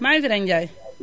maa ngi fi rekk Ndiaye